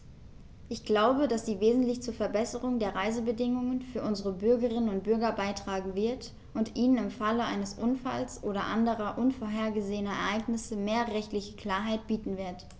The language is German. Ich glaube, dass sie wesentlich zur Verbesserung der Reisebedingungen für unsere Bürgerinnen und Bürger beitragen wird, und ihnen im Falle eines Unfalls oder anderer unvorhergesehener Ereignisse mehr rechtliche Klarheit bieten wird.